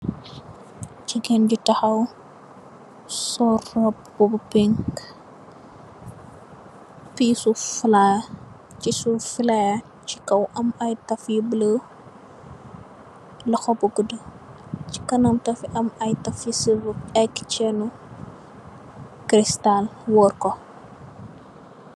Jigéen ju tahaw sol robbu bu pink, pisu flayer chi suuf flayer chi kaw am ay taff yu bulo. Loho bu guddu chi kanam tamit am ay taff ak ay chennu cristal wurr ko.